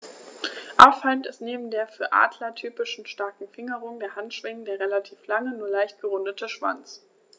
Auffallend ist neben der für Adler typischen starken Fingerung der Handschwingen der relativ lange, nur leicht gerundete Schwanz.